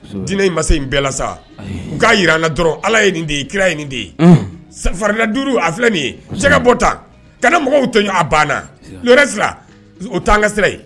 Diinɛ in masa in bɛɛ la sa n' jirana dɔrɔn ala ye nin den ye kira ye nin den ye farila duuruuru a filɛ min ye cɛ ka bɔ ta kana mɔgɔw tɔ a banna o tan an ka sira yen